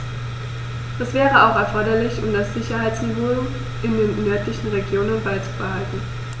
Das wäre auch erforderlich, um das Sicherheitsniveau in den nördlichen Regionen beizubehalten.